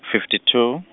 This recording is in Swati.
fifty two.